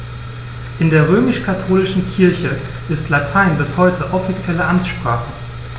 In der römisch-katholischen Kirche ist Latein bis heute offizielle Amtssprache.